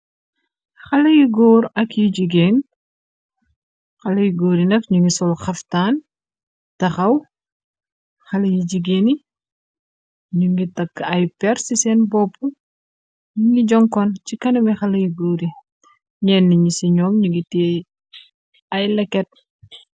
Xale yi góor ak yi jigéen, xale yi góor yi naf ñu ngi sol xaftaan taxaw, xale yi jigéen yi ñu ngi takk ay per ci seen bopp yi, ngi jonkon ci kaname xale yu góor yi, ñenn ñi ci ñoom ñu ngi téey ay leket.